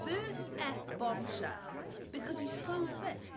First ep Bombshell, because he's so fit.